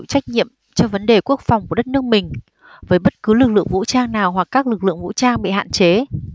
trách nhiệm cho vấn đề quốc phòng của đất nước mình với bất cứ lực lượng vũ trang nào hoặc các lực lượng vũ trang bị hạn chế